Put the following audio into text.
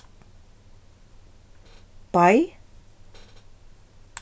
bei